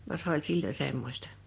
vaan se oli silloin semmoista